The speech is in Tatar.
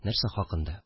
Нәрсә хакында